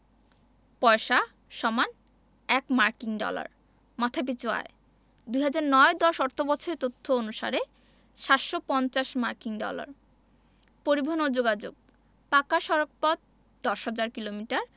পয়সা = ১ মার্কিন ডলার মাথাপিছু আয়ঃ ২০০৯ ১০ অর্থবছরের তথ্য অনুসারে ৭৫০ মার্কিন ডলার পরিবহণ ও যোগাযোগঃ পাকা সড়কপথ ১০হাজার কিলোমিটার